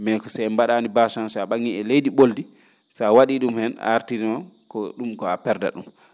mais ko si en mba?aani bache han so a ?a?ii e leydi ?oldi so a wa?ii ?um heen a artirii noon ko ?um ko a perdat ?um